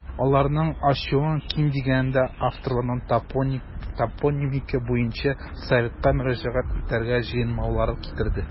Аларның ачуын, ким дигәндә, авторларның топонимика буенча советка мөрәҗәгать итәргә җыенмаулары китерде.